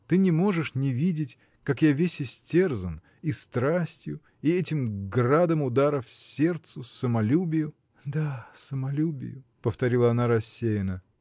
Ты не можешь не видеть, как я весь истерзан, и страстью, и этим градом ударов сердцу, самолюбию. — Да, самолюбию. — повторила она рассеянно.